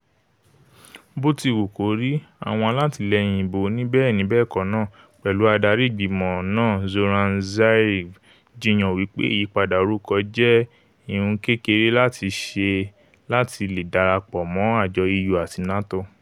Bótiwùkórí, àwọn alatilẹyin ìbò onibẹẹni-bẹẹkọ náà, pẹlu Adarí Igbimọ naa Zoran Zaev, jiyàn wípé ìyípadà orúkọ jẹ ihun kékeré láti ṣe lati le darapọ mọ àjọ EU àti NATO.